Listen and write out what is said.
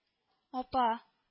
- апа